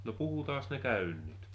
no puhutaan ne käynnit